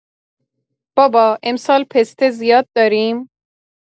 بابا، امسال پسته زیاد داریم؟